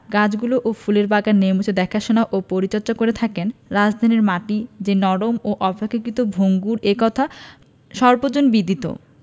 গাছগুলো ও ফুলের বাগান নিয়মিত দেখাশোনা ও পরিচর্যা করে থাকেন রাজধানীর মাটি যে নরম এবং অপেক্ষাকৃত ভঙ্গুর এ কথা সর্বজনবিদিত